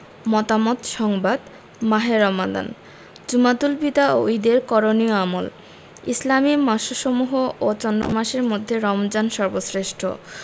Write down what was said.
মতামত সংবাদ মাহে রমাদান জুমাতুল বিদা ও ঈদের করণীয় আমল ইসলামি মাসসমূহ ও চন্দ্রমাসের মধ্যে রমজান সর্বশ্রেষ্ঠ